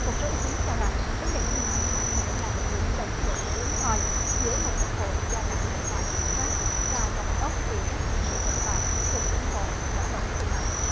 một số ý kiến cho rằng vấn đề thương mại có thể là một điểm đồng thuận hiếm hoi giữa một quốc hội do đảng cộng hòa kiểm soát và tòa bạch ốc vì các nghị sĩ cộng hòa thường ủng hộ mở rộng thương mại